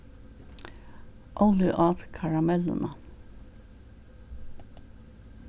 óli át karamelluna